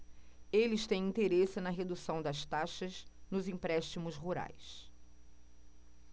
eles têm interesse na redução das taxas nos empréstimos rurais